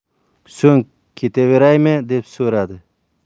so'ng ketaveraymi deb so'radi